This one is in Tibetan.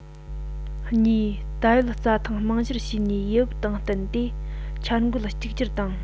གཉིས ད ཡོད རྩྭ ཐང རྨང གཞིར བྱས ནས ཡུལ བབ དང བསྟུན ཏེ འཆར འགོད གཅིག གྱུར དང